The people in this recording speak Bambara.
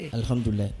Alihamudulila